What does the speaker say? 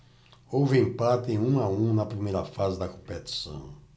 houve empate em um a um na primeira fase da competição